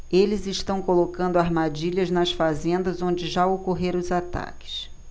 eles estão colocando armadilhas nas fazendas onde já ocorreram os ataques